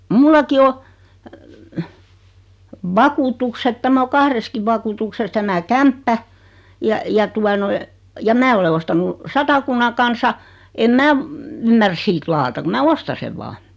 minullakin on vakuutukset tämä on kahdessakin vakuutuksessa tämä kämppä ja ja tuota noin ja minä olen ostanut Satakunnan Kansan en minä ymmärrä siitä lakata kun minä ostan sen vain